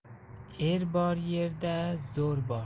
er bor yerda zo'r bor